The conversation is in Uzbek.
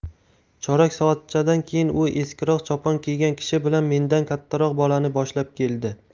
chorak soatchadan keyin u eskiroq chopon kiygan kishi bilan mendan kattaroq bolani boshlab keldi